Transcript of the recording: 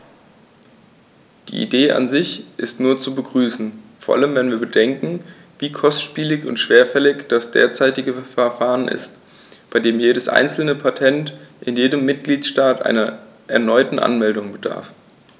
Die Idee an sich ist nur zu begrüßen, vor allem wenn wir bedenken, wie kostspielig und schwerfällig das derzeitige Verfahren ist, bei dem jedes einzelne Patent in jedem Mitgliedstaat einer erneuten Anmeldung bedarf.